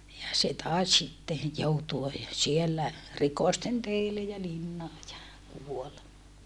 ja se taisi sitten joutua siellä rikosten teille ja linnaan ja kuoli